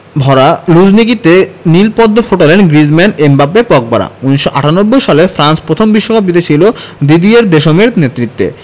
ভরা লুঝনিকিতে নীল পদ্ম ফোটালেন গ্রিজমান এমবাপ্পে পগবারা ১৯৯৮ সালে ফ্রান্স প্রথম বিশ্বকাপ জিতেছিল দিদিয়ের দেশমের নেতৃত্বে